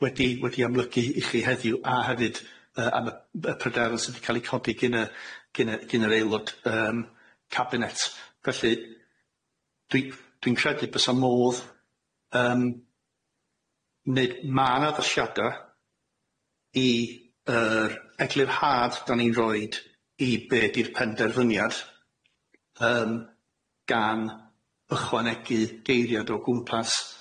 wedi wedi amlygu i chi heddiw a hefyd yy am y y pryderon sydd 'di ca'l 'i codi gin y gin y gin yr aelod yym cabinet felly dwi dwi'n credu bysa modd yym neud mân addasiada i yr eglurhad 'dan ni'n roid i be' di'r penderfyniad yym gan ychwanegu geiriad o gwmpas